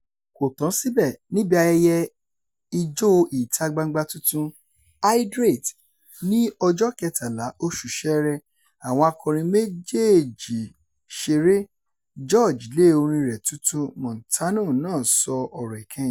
Kò tán síbẹ̀: níbi ayẹyẹ Ijó ìta-gbangba tuntun, "Hydrate", ní ọjọ́ 13 oṣù Ṣẹrẹ, àwọn akọrin méjèèjì ṣeré. George lé orin rẹ̀ tuntun Montano náà sọ ọ̀rọ̀ ìkẹyìn: